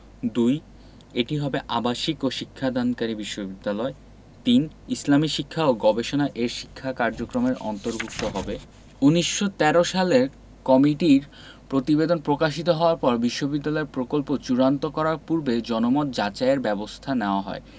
২. এটি হবে আবাসিক ও শিক্ষাদানকারী বিশ্ববিদ্যালয় ৩. ইসলামী শিক্ষা ও গবেষণা এর শিক্ষা কার্যক্রমের অন্তর্ভুক্ত হবে ১৯১৩ সালে কমিটির প্রতিবেদন প্রকাশিত হওয়ার পর বিশ্ববিদ্যালয়ের প্রকল্প চূড়ান্ত করার পূর্বে জনমত যাচাইয়ের ব্যবস্থা নেওয়া হয়